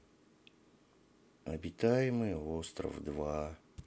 обитаемый остров два